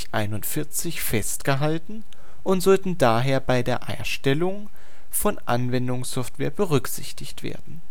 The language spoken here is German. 9241 festgehalten und sollten daher bei der Erstellung von Anwendungssoftware berücksichtigt werden